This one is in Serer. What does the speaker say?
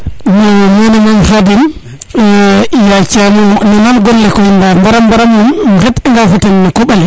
non mene moom Khadim yacamo mo nanam gonle koy mais mbara mbaram moom im xet anga fo ten koɓale